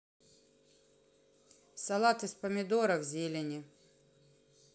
салат из помидоров зелени